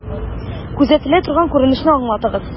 Күзәтелә торган күренешне аңлатыгыз.